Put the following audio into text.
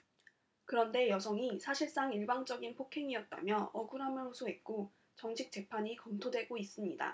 그런데 여성이 사실상 일방적인 폭행이었다며 억울함을 호소했고 정식 재판이 검토되고 있습니다